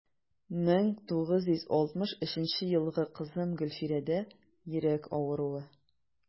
1963 елгы кызым гөлфирәдә йөрәк авыруы.